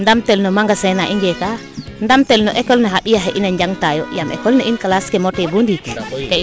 ndam tel no magazin na i ngeeka ndam tel o ecole ne xa mbiya xe in a njanga taayo yaam ecole ne in classe ke mote bo ndiik